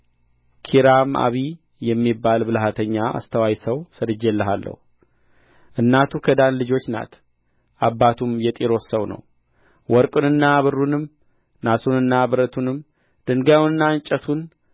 ኪራምአቢ የሚባል ብልሃተኛና አስተዋይ ሰው ሰድጄልሃለሁ እናቱ ከዳን ልጆች ናት አባቱም የጢሮስ ሰው ነው ወርቁንና ብሩንም ናሱንና ብረቱን ድንጋይንና እንጨቱን